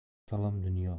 salom dunyo